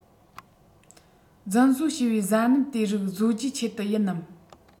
རྫུན བཟོ བྱས པའི བཟའ སྣུམ དེ རིགས བཟོ རྒྱུའི ཆེད དུ ཡིན ནམ